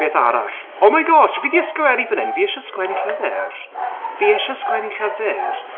Beth arall? Oh my gosh! Fi di ysgrifennu fan hyn, fi isie sgwennu llyfr. Fi eisiau sgwennu llyfr.